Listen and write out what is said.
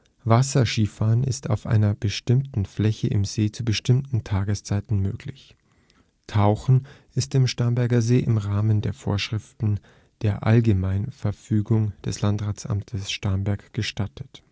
Wasserskifahren ist auf einer bestimmten Fläche im See zu bestimmten Tageszeiten möglich. Tauchen ist im Starnberger See im Rahmen der Vorschriften der Allgemeinverfügung des Landratsamtes Starnberg gestattet